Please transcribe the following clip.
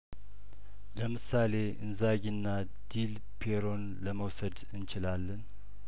ለምሳሌ ኢንዛጊና ዲልፔሮን ለመውሰድ እንችላለን